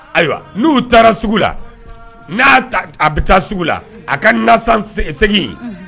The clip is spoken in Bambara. Ayiwa n'u taara sugu la n'a a bɛ taa sugu la a ka na segin yen